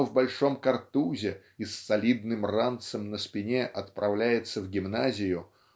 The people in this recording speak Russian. но в большом картузе и с солидным ранцем на спине отправляется в гимназию